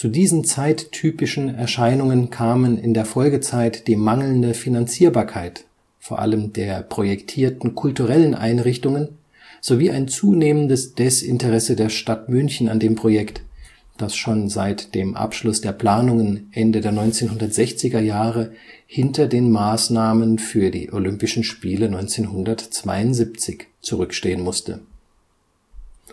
diesen zeittypischen Erscheinungen kamen in der Folgezeit die mangelnde Finanzierbarkeit vor allem der projektierten kulturellen Einrichtungen sowie ein zunehmendes Desinteresse der Stadt München an dem Projekt, das schon seit dem Abschluss der Planungen Ende der 1960er-Jahre hinter den Maßnahmen für die Olympischen Spiele 1972 zurückstehen musste. In